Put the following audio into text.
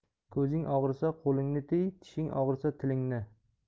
ko'zing og'risa qo'lingni tiy tishing og'risa tilingni